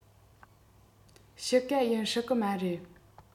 དཔྱིད ཀ ཡིན སྲིད གི མ རེད